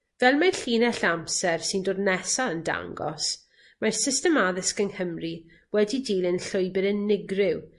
Fel mae'r llinell amser sy'n dod nesa yn dangos mae'r system addysg yng Nghymru wedi dilyn llwybyr unigryw,